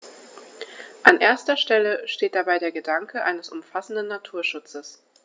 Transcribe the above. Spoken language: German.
An erster Stelle steht dabei der Gedanke eines umfassenden Naturschutzes.